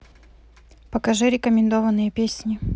покажи рекомендованные песни